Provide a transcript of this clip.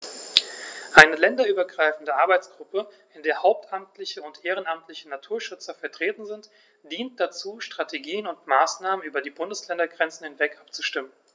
Eine länderübergreifende Arbeitsgruppe, in der hauptamtliche und ehrenamtliche Naturschützer vertreten sind, dient dazu, Strategien und Maßnahmen über die Bundesländergrenzen hinweg abzustimmen.